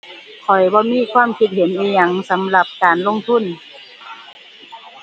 ข้อยบ่มีความคิดเห็นอิหยังสำหรับการลงทุน